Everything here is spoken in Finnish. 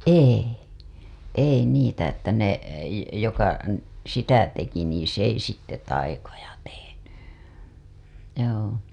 ei ei niitä että ne joka - sitä teki niin se ei sitten taikoja tehnyt joo